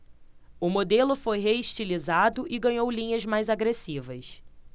o modelo foi reestilizado e ganhou linhas mais agressivas